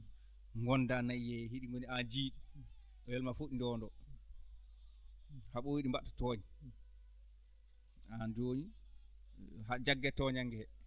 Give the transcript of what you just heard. ngondaa nayi he hiɗi ngooni aan jeyi ɗi welmaa fof ɗi ndoondoo haa ɓooyi ɗi mbatta tooñde aan jooni haa jaggee toñannge hee